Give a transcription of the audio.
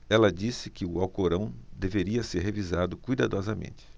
ela disse que o alcorão deveria ser revisado cuidadosamente